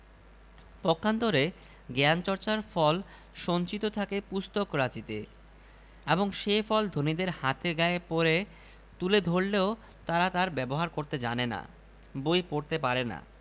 পক্ষান্তরে জ্ঞানচর্চার ফল সঞ্চিত থাকে পুস্তকরাজিতে এবং সে ফল ধনীদের হাতে গায়ে পড়ে তুলে ধরলেও তারা তার ব্যবহার করতে জানে না বই পড়তে পারে না